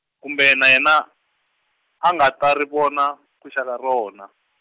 kumbe na yena, a nga ta ri vona, ku xa ka rona.